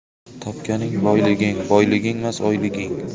topganing boyliging boyligingmas oyhging